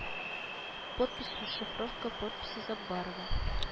Подпись расшифровка подписи заббарова